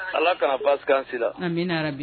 Ala ka na basi kan si la.